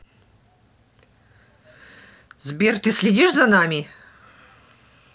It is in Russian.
сбер ты следишь за нами